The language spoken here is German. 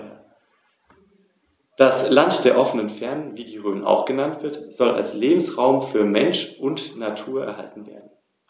Eine länderübergreifende Arbeitsgruppe, in der hauptamtliche und ehrenamtliche Naturschützer vertreten sind, dient dazu, Strategien und Maßnahmen über die Bundesländergrenzen hinweg abzustimmen.